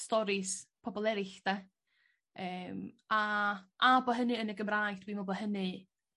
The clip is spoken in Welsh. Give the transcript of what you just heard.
storis pobol eryll 'de yym a a bo' hynny yn y Gymraeg dwi me'wl bo hynny